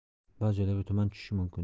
ba'zi joylarga tuman tushishi mumkin